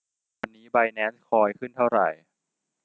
วันนี้ไบแนนซ์คอยขึ้นเท่าไหร่